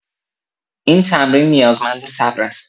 این تمرین نیازمند صبر است.